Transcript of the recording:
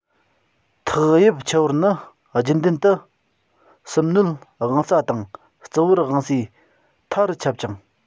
ཐགས དབྱིབས ཆུ བུར ནི རྒྱུན ལྡན དུ སུམ སྣོལ དབང རྩ དང རྩིབས བར དབང རྩའི མཐའ རུ ཁྱབ ཅིང